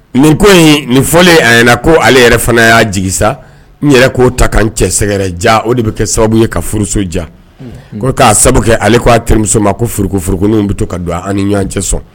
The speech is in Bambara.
Nin ko in nin fɔlen a yɛlɛ ko ale yɛrɛ fana y'a jigi sa n yɛrɛ k'o ta ka cɛ sɛgɛrɛ ja o de bɛ kɛ sababu ye ka furuso ja ko k'a sababu kɛ ale k' a terimuso ma ko furuforok bɛ to ka don an ni ɲɔgɔn cɛsɔn